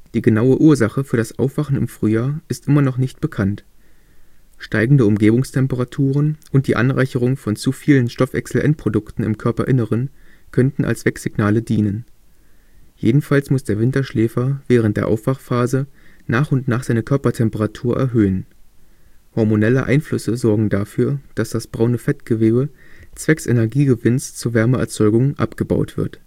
Die genaue Ursache für das Aufwachen im Frühjahr ist immer noch nicht bekannt. Steigende Umgebungstemperaturen und die Anreicherung von zu vielen Stoffwechselendprodukten im Körperinneren könnten als Wecksignale dienen. Jedenfalls muss der Winterschläfer während der Aufwachphase nach und nach seine Körpertemperatur erhöhen. Hormonelle Einflüsse sorgen dafür, dass das braune Fettgewebe zwecks Energiegewinns zur Wärmeerzeugung abgebaut wird